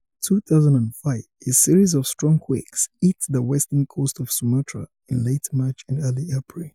2005: A series of strong quakes hit the western coast of Sumatra in late March and early April.